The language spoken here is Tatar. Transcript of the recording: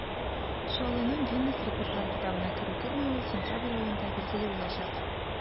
Чаллының Гиннес рекордлар китабына керү-кермәве сентябрь аенда билгеле булачак.